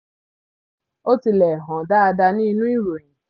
"Ó tilẹ̀ ti hàn dáadáa ní inú ìròyìn.